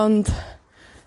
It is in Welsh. ond,